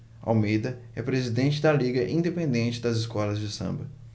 almeida é presidente da liga independente das escolas de samba